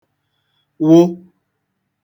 wụ